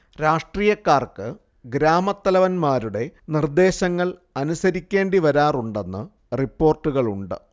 രാഷ്ട്രീയക്കാർക്ക് ഗ്രാമത്തലവന്മാരുടെ നിർദ്ദേശങ്ങൾ അനുസരിക്കേണ്ടിവരാറുണ്ടെന്ന് റിപ്പോർട്ടുകളുണ്ട്